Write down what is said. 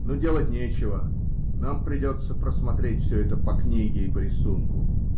Ну, делать нечего, нам придется просмотреть все это по книге и по рисунку.